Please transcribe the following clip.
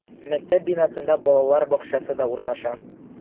Мәктәп бинасында балалар бакчасы да урнаша.